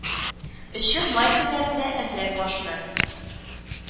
Өчен май көннәрендә әзрәк башны